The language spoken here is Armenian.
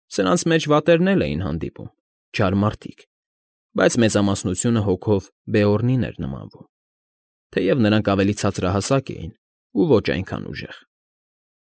Սրնաց մեջ վատերն էլ էին հանդիպում, չար մարդիկ, բայց մեծամասնությունը հոգով Բեորնի էր նմանվում, թեև նրանք ավելի ցածրահասակ էին ու ոչ այնքան ուժեղ։